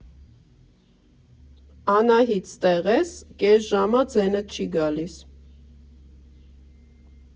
Անահի՜տ, ստեղ ե՞ս, կես ժամ ա՝ ձենդ չի գալիս։